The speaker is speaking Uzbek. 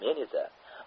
men esa